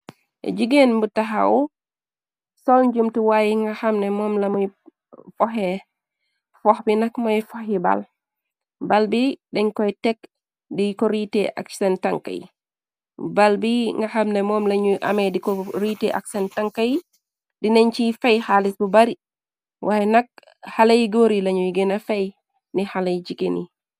Jigeen bu taxaw sol njumtu waaye nga xamne moom lamuy fohee fox bi nak mooy fox yi bàl bal bi dañ koy tekg di ko riite ak seen tanka yi bal bi nga xam ne moom lañuy ame di ko riite ak seen tanka yi di nañ ciy fey xaalis bu bari waaye nak xaley góor i lañuy gëna fey ci xalay jigeen yi.